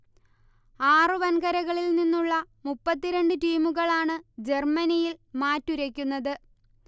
ആറു വൻകരകളിൽ നിന്നുള്ള മുപ്പത്തി രണ്ട് ടീമുകളാണ് ജർമ്മനിയിൽ മാറ്റുരയ്ക്കുന്നത്